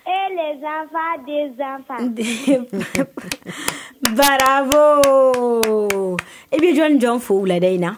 Et les enfants des enfants . bra vo> i bɛ jɔn ni jɔn fo wulada in na?